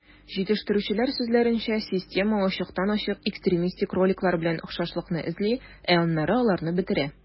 Җитештерүчеләр сүзләренчә, система ачыктан-ачык экстремистик роликлар белән охшашлыкны эзли, ә аннары аларны бетерә.